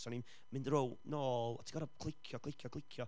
So, o'n i'n mynd row- nôl, a ti'n gorod clicio, clicio, clicio,